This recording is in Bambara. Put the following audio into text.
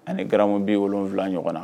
Ani g b' wolo wolonwula ɲɔgɔn na